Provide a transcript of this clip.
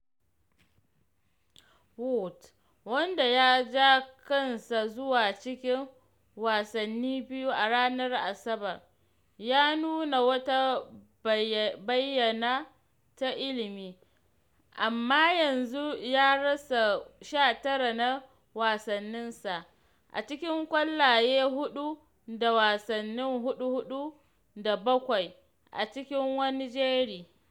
Woods, wanda ya ja kansa zuwa cikin wasanni biyu a ranar Asabar, ya nuna wata bayyana ta ilimi amma yanzu ya rasa 19 na wasanninsa a cikin ƙwallaye huɗu da wasannin huɗu-huɗu da bakwai a cikin wani jeri.